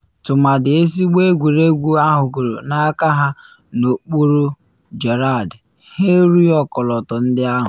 Tụmadị ezigbo egwuregwu ahụgoro n’aka ha n’okpuru Gerrard, ha erughi ọkọlọtọ ndị ahụ.